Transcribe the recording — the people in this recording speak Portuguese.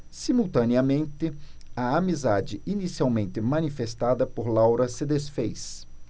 simultaneamente a amizade inicialmente manifestada por laura se disfez